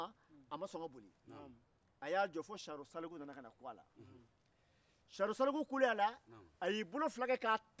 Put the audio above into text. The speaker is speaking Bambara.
e nimɔgɔmuso bɛ cogo mina e fasola e fana de bɛ taa o ko cogo ɲuman de ɲɔgɔn dege i cɛlala